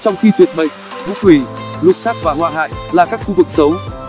trong khi tuyệt mệnh ngũ quỷ lục sát và họa hại là các khu vực xấu